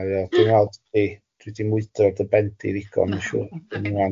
O ia dwi'n meddwl dwi dwi di mwydo ar dy ben di ddigon yn siŵr yn ŵan.